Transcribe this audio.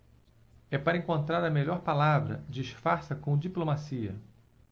é para encontrar a melhor palavra disfarça com diplomacia